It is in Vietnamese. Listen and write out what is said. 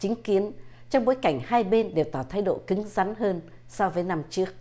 chính kiến trong bối cảnh hai bên đều tỏ thái độ cứng rắn hơn so với năm trước